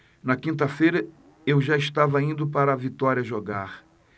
na quinta-feira eu já estava indo para vitória jogar